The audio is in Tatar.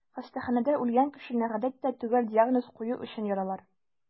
Хастаханәдә үлгән кешене, гадәттә, төгәл диагноз кую өчен яралар.